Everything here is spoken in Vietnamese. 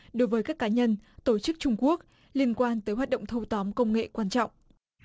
đối với các cá nhân tổ chức trung quốc liên quan tới hoạt động thâu tóm công nghệ quan trọng